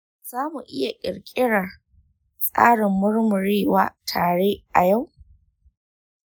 za mu iya ƙirƙirar tsarin murmurewa tare a yau.